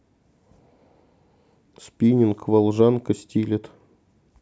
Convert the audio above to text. спиннинг волжанка стилет